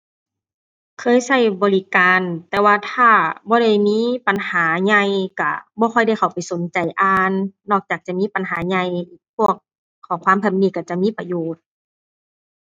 เคยใช้บริการ แต่ว่าถ้าบ่ได้มีปัญหาใหญ่ใช้บ่ค่อยได้เข้าไปสนใจอ่าน นอกจากจะมีปัญหาใหญ่ พวกข้อความทางนี้ใช้จะมีประโยชน์